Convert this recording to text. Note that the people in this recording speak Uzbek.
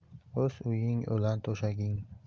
o'z uying o'lan to'shaging